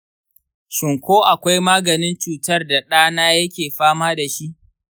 shin ko akwai maganin cutar da ɗa na yake fama da shi?